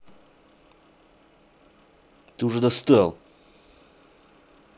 ты уже достал